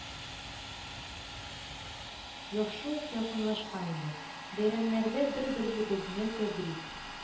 Яхшы ук якынлашкан идек, бәйрәмнәрдә бер-беребезне тәбрик